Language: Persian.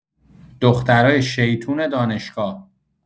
دخترای شیطون دانشگاه